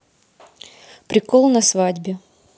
прикол на свадьбе